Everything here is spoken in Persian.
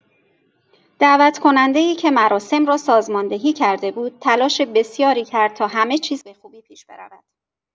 دعوت‌کننده‌ای که مراسم را سازماندهی کرده بود، تلاش بسیاری کرد تا همه چیز به خوبی پیش برود.